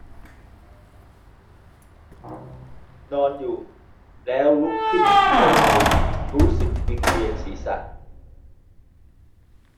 นอนอยู่แล้วลุกขึ้นเร็วเร็วรู้สึกวิงเวียนศีรษะ